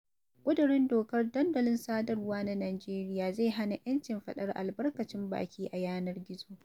ƙudurin dokar dandulan sadarwa na Najeriya zai hana 'yancin faɗar albarkacin baki a yanar gizo.